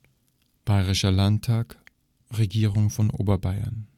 Bayerischer Landtag Regierung von Oberbayern